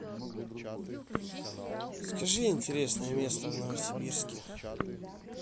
скажи интересное место в новосибирске